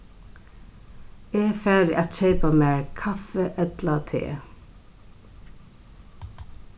eg fari at keypa mær kaffi ella te